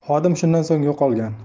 xodim shundan so'ng yo'qolgan